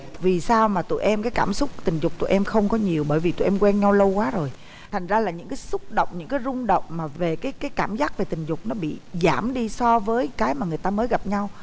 vì sao mà tụi em cái cảm xúc tình dục tụi em không có nhiều bởi vì tụi em quen nhau lâu quá rồi thành ra là những cái xúc động những rung động mà về cái cái cảm giác về tình dục nó bị giảm đi so với cái mà người ta mới gặp nhau